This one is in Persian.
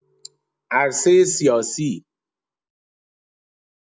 عرصه سیاسی